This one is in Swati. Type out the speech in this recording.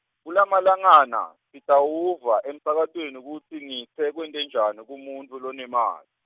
kulamalangana, nitawuva, emsakatweni kutsi ngitse kwentekani kumuntfu lonemali.